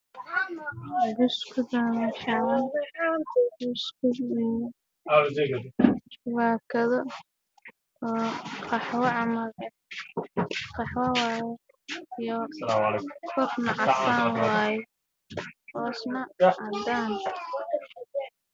Waa buskud baakado oo baco ku jira